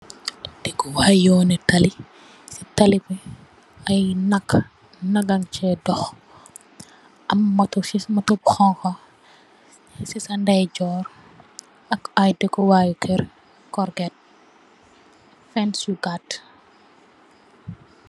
Daku why yooni tali, tali bi ay nakk chè doh. Am moto, Moto bu honkha ci sa ndejor ak ay daku why kër corket, fence bu gatt.